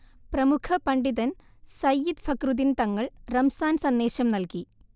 പ്രമുഖ പണ്ഡിതൻ സയ്യിദ് ഫഖ്റുദ്ദീൻ തങ്ങൾ റംസാൻ സന്ദേശം നൽകി